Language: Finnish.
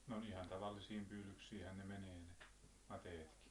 no ihan tavallisiin pyydyksiinhän ne menee ne mateetkin